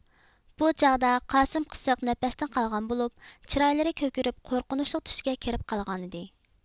بۇ چاغدا قاسىم قىسىق نەپەستىن قالغان بولۇپ چىرايلىرى كۆكىرىپ قورقۇنۇچلۇق تۈسكە كىرىپ قالغانىدى